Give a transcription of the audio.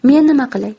men nima qilay